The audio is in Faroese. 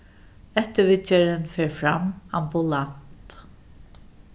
eftirviðgerðin fer fram ambulant